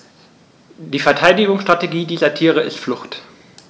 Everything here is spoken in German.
Die Verteidigungsstrategie dieser Tiere ist Flucht.